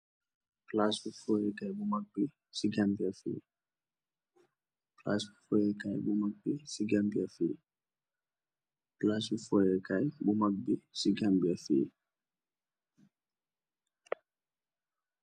Palassu foyeh Kaye bu mak bi si Gambia fii, Palassu foyeh Kaye bu mak bi si Gambia fii, Palassu foyeh Kaye bu mak bi si Gambia fii,